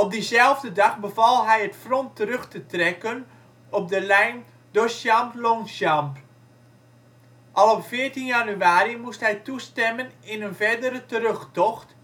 diezelfde dag beval hij het front terug te trekken op de lijn Dochamps-Longchamps. Al op 14 januari moest hij toestemmen in een verdere terugtocht